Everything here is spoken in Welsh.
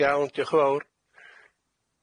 Iawn dioch yn fowr.